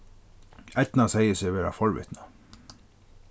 eydna segði seg vera forvitna